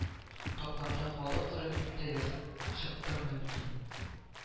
Тапларда халык ыры дип тә язып чыктымөмкин